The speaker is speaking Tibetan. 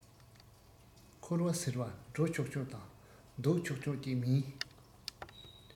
འཁོར བ ཟེར བ འགྲོ ཆོག ཆོག དང འདུག ཆོག ཆོག ཅིག མིན